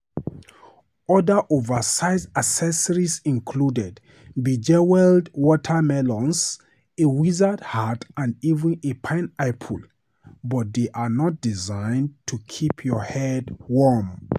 Other over-sized accessories included bejeweled watermelons, a wizard hat and even a pineapple - but they are not designed to keep your head warm.